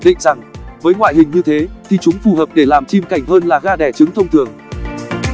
nhưng nhiều người nhận định rằng với ngoại hình như thế thì chúng phù hợp để làm chim cảnh hơn là gà đẻ trứng thông thường